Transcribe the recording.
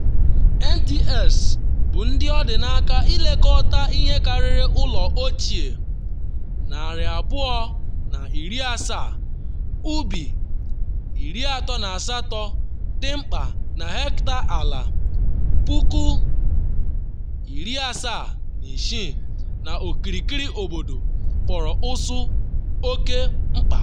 NTS, bụ ndị ọ dị n’aka ilekọta ihe karịrị ụlọ ochie 270, ubi 38 dị mkpa na hectare ala 76,000 n’okirikiri obodo, kpọrọ ụsụ oke mkpa.